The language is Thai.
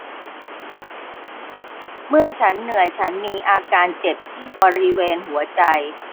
เมื่อฉันเหนื่อยฉันมีอาการเจ็บที่บริเวณหัวใจ